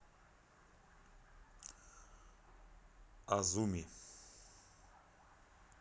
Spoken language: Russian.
азуми